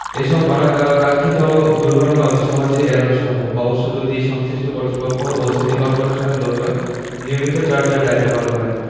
এসব অনাকাক্সিক্ষত দুর্ঘটনা অতি সহজেই এড়ানো সম্ভব অবশ্য যদি সংশ্লিষ্ট কর্তৃপক্ষ ও সিটি কর্পোরেশনের লোকজন নিয়মিত যার যার দায়িত্ব পালন করেন